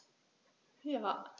Ja.